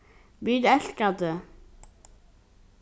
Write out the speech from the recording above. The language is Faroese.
vit elska teg